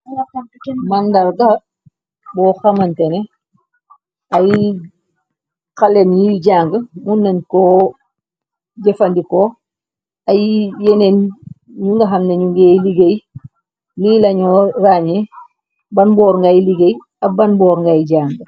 Màndarga boo xamante ne ay xale yui jànga mun nen ko jëfandikoo ay yeneen ñu nga xam neh ñu gay liggéey li lañuo raññe ban boor ngay liggéey ak banboor ngay jànga.